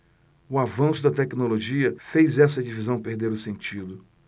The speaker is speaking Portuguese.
o avanço da tecnologia fez esta divisão perder o sentido